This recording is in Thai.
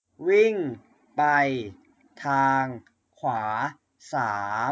วิ่งไปทางขวาสาม